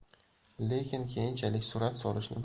lekin keyinchalik surat solishni